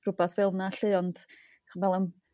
rh'wbath fel 'na lly ond ch' me'l am